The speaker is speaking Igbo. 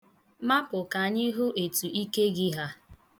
Mapụ ka anyị hụ etu ike gị ha!